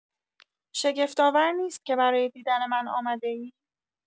شگفت‌آور نیست که برای دیدن من آمده‌ای.